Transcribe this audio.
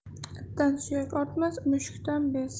itdan suyak ortmas mushukdan bez